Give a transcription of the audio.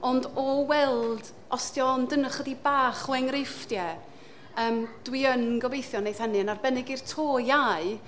Ond, o weld, os dio'n chydig bach o enghraifftiau, yym dwi yn gobeithio wneith hynny, yn arbennig i'r to iau.